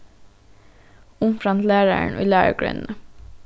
umframt lærarin í lærugreinini